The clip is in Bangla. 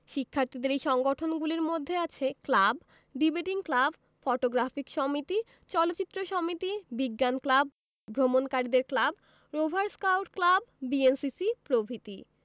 শিক্ষার্থীদের এই সংগঠনগুলির মধ্যে আছে ক্লাব ডিবেটিং ক্লাব ফটোগ্রাফিক সমিতি চলচ্চিত্র সমিতি বিজ্ঞান ক্লাব ভ্রমণকারীদের club rover scout club BNCC প্রভৃতি